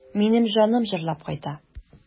Минем җаным җырлап кайта.